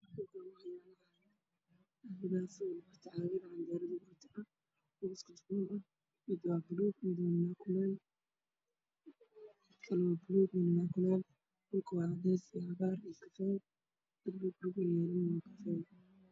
Waa sekaalo isdul sarsaaran oo midabkoodu yihiin cagaar blue mise cadaan